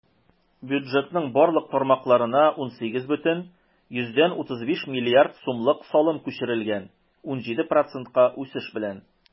Бюджетның барлык тармакларына 18,35 млрд сумлык салым күчерелгән - 17 процентка үсеш белән.